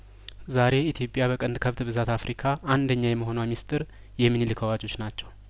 ዛሬ ኢትዮጵያ በቀንድ ከብት ብዛት አፍሪካ አንደኛ የመሆኗ ሚስጥር የሚንሊክ አዋጆች ናቸው